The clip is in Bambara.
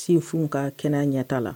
Sinfin ka kɛnɛya ɲɛta la